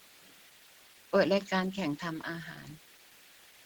เปิดรายการแข่งทำอาหาร